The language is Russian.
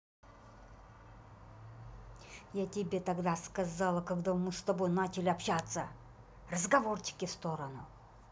я тебе тогда сказала когда мы с тобой начали общаться разговорчики в сторону